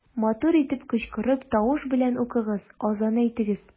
Матур итеп кычкырып, тавыш белән укыгыз, азан әйтегез.